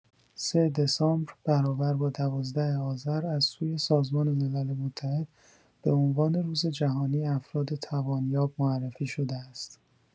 ۳ دسامبر برابر با ۱۲ آذر از سوی سازمان ملل متحد به عنوان روز جهانی افراد توان‌یاب معرفی شده است.